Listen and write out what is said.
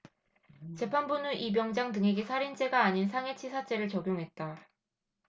재판부는 이 병장 등에게 살인죄가 아닌 상해치사죄를 적용했다